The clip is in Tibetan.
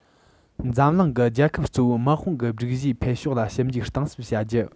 འཛམ གླིང གི རྒྱལ ཁབ གཙོ བོའི དམག དཔུང གི སྒྲིག གཞིའི འཕེལ ཕྱོགས ལ ཞིབ འཇུག གཏིང ཟབ བྱ རྒྱུ